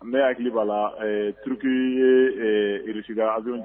N bɛ hakili b'a la puruki ye urusiiga ali